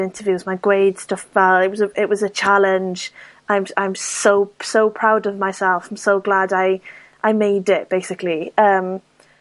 interviews mae'n gweud stwff fel it was it was a challenge I'm s- I'm so so proud of myself, I'm so glad I I made it basically yym.